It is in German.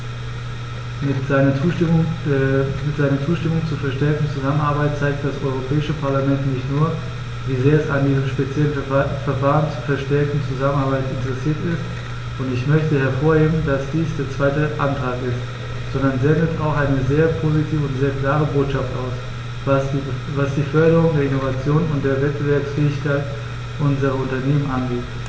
Mit seiner Zustimmung zur verstärkten Zusammenarbeit zeigt das Europäische Parlament nicht nur, wie sehr es an diesem speziellen Verfahren zur verstärkten Zusammenarbeit interessiert ist - und ich möchte hervorheben, dass dies der zweite Antrag ist -, sondern sendet auch eine sehr positive und sehr klare Botschaft aus, was die Förderung der Innovation und der Wettbewerbsfähigkeit unserer Unternehmen angeht.